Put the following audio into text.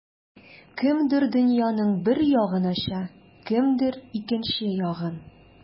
Кемдер дөньяның бер ягын ача, кемдер икенче ягын.